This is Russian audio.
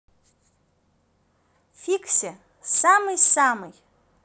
фикси самый самый